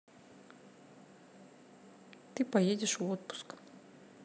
ты поедешь в отпуск